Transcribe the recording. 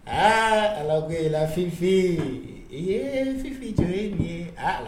Aa ala ko ffin ye ffin jɔ ye nin ye a la